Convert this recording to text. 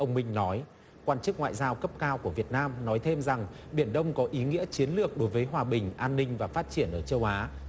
ông minh nói quan chức ngoại giao cấp cao của việt nam nói thêm rằng biển đông có ý nghĩa chiến lược đối với hòa bình an ninh và phát triển ở châu á